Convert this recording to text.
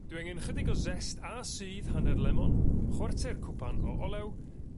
Dwi angen ychydig o zest a sudd hanner lemon, chwarter cwpan o olew,